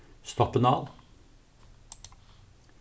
stoppinál